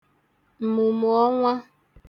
m̀mụ̀mụ̀ọnwa